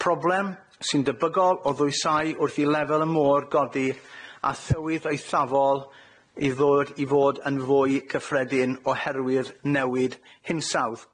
Problem sy'n debygol o ddwysáu wrth i lefel y môr godi a thywydd eithafol i ddod- i fod yn fwy cyffredin oherwydd newid hinsawdd.